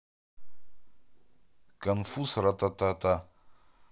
конфуз ратататата